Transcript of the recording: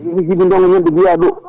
ko ɗum musiba ndeema men ɗo Guiya ɗo